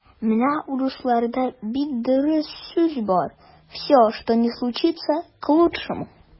Менә урысларда бик дөрес сүз бар: "все, что ни случается - к лучшему".